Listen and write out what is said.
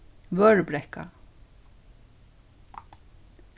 vørðubrekka